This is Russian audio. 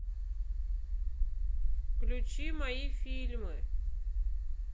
включи мои фильмы